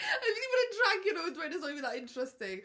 Fi 'di bod yn dragio nhw a dweud, it's not even that interesting.